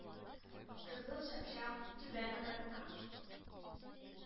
Кызыл Чапчак, Түбән Уратма,